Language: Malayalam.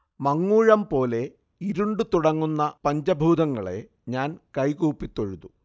മങ്ങൂഴംപോലെ ഇരുണ്ടുതുടങ്ങുന്ന പഞ്ചഭൂതങ്ങളെ ഞാൻ കൈകൂപ്പി തൊഴുതു